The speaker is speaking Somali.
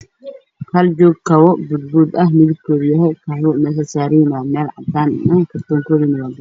Halkaan waxaa ka muuqdo kabo baabuud guduud ah meesha ay saaran yihiin waa meel cadaan ah